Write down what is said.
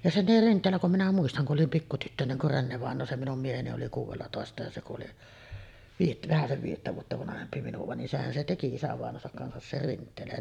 ja se oli Rinteellä kun minä muistan kun olin pikku tyttönen kun Renne-vainaja se minun mieheni oli kuudellatoista ja se kun oli - vähäsen viidettä vuotta vanhempi minua niin sehän se teki isävainajansakin kanssa sen Rinteelän